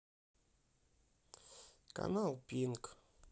канал пинк